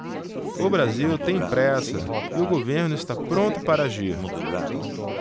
o brasil tem pressa e o governo está pronto para agir